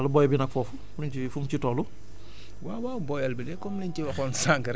d' accord alors qu' en est il de la jachère wàllu booy bi nag foofu lu ñu si fu ñu si toll